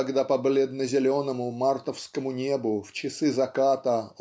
когда по бледно-зеленому мартовскому небу в часы заката